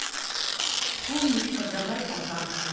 умничка давай пока